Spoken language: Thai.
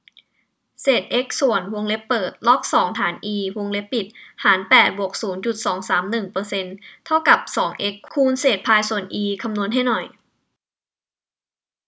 เศษเอ็กซ์ส่วนวงเล็บเปิดล็อกสองฐานอีวงเล็บปิดหารแปดบวกศูนย์จุดสองสามหนึ่งเปอร์เซ็นต์เท่ากับสองเอ็กซ์คูณเศษพายส่วนอีคำนวณให้หน่อย